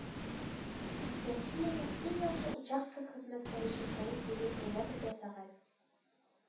Россиянең иң яхшы участок хезмәткәре өчен тавыш бирү ноябрьдә сәгать